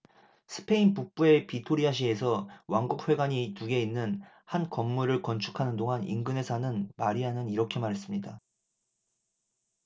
스페인 북부의 비토리아 시에서 왕국회관이 두 개 있는 한 건물을 건축하는 동안 인근에 사는 마리안은 이렇게 말했습니다